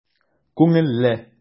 Күңелле!